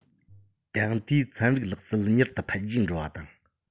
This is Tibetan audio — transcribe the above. དེང དུས ཚན རིག ལག རྩལ མྱུར དུ འཕེལ རྒྱས འགྲོ བ དང